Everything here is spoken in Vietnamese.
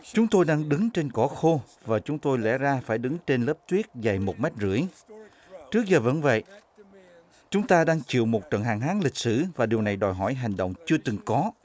chúng tôi đang đứng trên cỏ khô và chúng tôi lẽ ra phải đứng trên lớp tuyết dày một mét rưỡi trước giờ vẫn vậy chúng ta đang chịu một trận hạn hán lịch sử và điều này đòi hỏi hành động chưa từng có